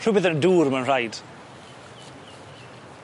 Rhwbeth yn y dŵr mae'n rhaid.